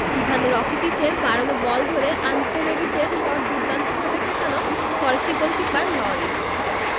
Ivan রাকিতিচের বাড়ানো বল ধরে আন্তে রেবিচের শট দুর্দান্তভাবে ঠেকান ফরাসি গোলকিপার লরিস